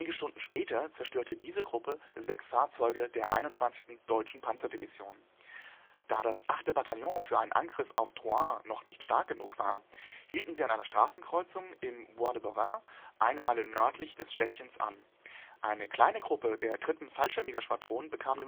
Stunden später zerstörte diese Gruppe sechs Fahrzeuge der 21. Deutschen Panzerdivision. Da das 8. Bataillon für einen Angriff auf Troarn noch nicht stark genug war, hielten sie an einer Straßenkreuzung im Bois de Bavent, eine Meile nördlich des Städtchens an. Eine kleine Gruppe der 3. Fallschirmjägerschwadron bekam